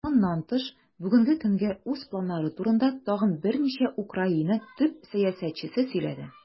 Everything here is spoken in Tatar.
Моннан тыш, бүгенге көнгә үз планнары турында тагын берничә Украина топ-сәясәтчесе сөйләде.